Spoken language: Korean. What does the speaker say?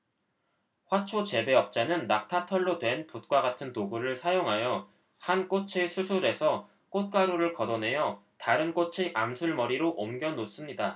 화초 재배업자는 낙타털로 된 붓과 같은 도구를 사용하여 한 꽃의 수술에서 꽃가루를 걷어 내어 다른 꽃의 암술머리로 옮겨 놓습니다